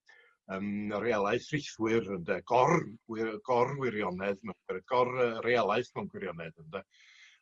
yym y realaeth rithwyr ynde gor- wi- gorwirionedd ma' y gor yy realaeth mewn gwirionedd ynde.